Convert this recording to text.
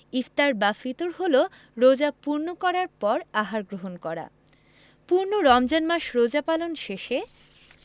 ইফতার বা ফিতর হলো রোজা পূর্ণ করার পর আহার গ্রহণ করা পূর্ণ রমজান মাস রোজা পালন শেষে